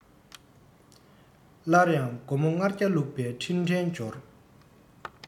སླར ཡང སྒོར མོ ལྔ བརྒྱ བླུག པའི འཕྲིན ཕྲན འབྱོར